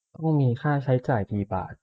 ต้องมีค่าใช้จ่ายกี่บาท